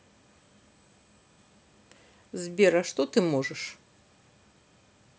сбер а что ты можешь